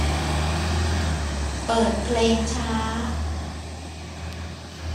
เปิดเพลงช้า